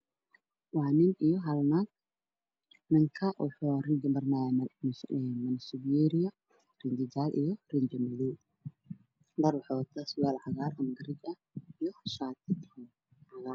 Waa nin iyo naag. Ninku waxuu rinji maranayaa mushinbiyeeriga, dhar waxuu wataa surwaal cagaar ah iyo shaati cagaar ah.